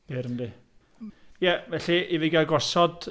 Byr, yndy. Ie felly i fi gael gosod...